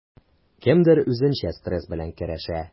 Кемдер үзенчә стресс белән көрәшә.